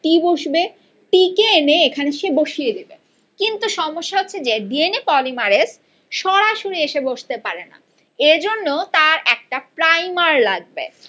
টি বসবে টি কে এনে এখানে সে বসিয়ে দেবে কিন্তু সমস্যা হচ্ছে যে ডিএনএ পলিমারেজ সরাসরি এসে বসতে পারে না এর জন্য তার একটা প্রাইমার লাগবে